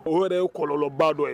O yɛrɛ de ye kɔlɔnlɔba dɔ ye